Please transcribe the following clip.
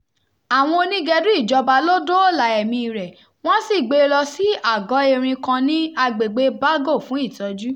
Àwọn onígẹdú ìjọba ló dóòlà ẹ̀míi rẹ̀, wọ́n sì gbé e lọ sí àgọ́ erin kan ní Agbègbèe Bago fún ìtọ́jú.